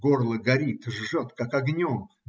Горло горит, жгет, как огнем.